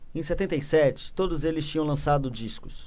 em setenta e sete todos eles tinham lançado discos